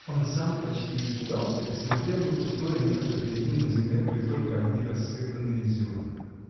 Он сам почти испугался и смотрел на пустое место: перед ним на земле были только одни рассыпанные зерна.